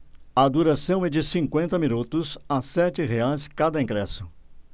a duração é de cinquenta minutos a sete reais cada ingresso